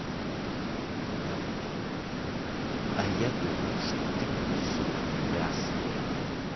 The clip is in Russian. а я думаю что ты кусок мяса